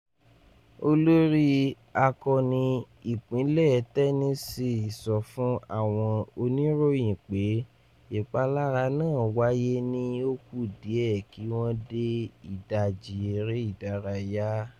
Olórí Akọ́ni ìpínlẹ̀ Tennessee sọ fún àwọn oníròyìn pé ìpalára náà wáyé ní ó kù díẹ̀ kí wọ́n dé ìdajì eré ìdárayá.